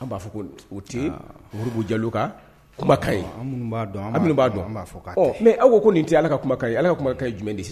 A b'a fɔ ko u tɛbugu jalo kan kuma ka ye b'a dɔn ami b'a an b'a fɔ mɛ aw ko nin tɛ ala ka kumakan ye ala ka kumakan ye jumɛn di